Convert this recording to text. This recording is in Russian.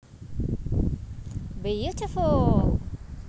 beautiful